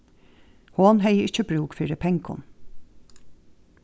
hon hevði ikki brúk fyri pengum